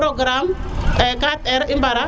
wa programme 4R